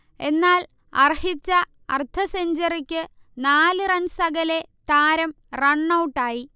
എന്നാൽ അർഹിച്ച അർധസെഞ്ച്വറിക്ക് നാല് റൺസ് അകലെ താരം റണ്ണൗട്ടായി